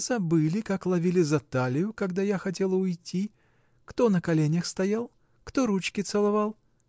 — Забыли, как ловили за талию, когда я хотела уйти!. Кто на коленях стоял? Кто ручки целовал!